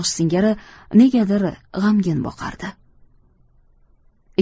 singari negadir g'amgin boqardi